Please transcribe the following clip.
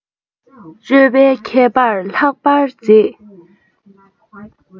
སྤྱོད པའི ཁྱད པར ལྷག པར མཛེས